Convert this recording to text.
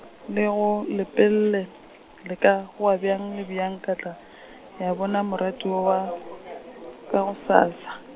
le go Lepelle, le ka goa bjang le bjang ka tla, ya bona moratiwa wa, ka gosasa.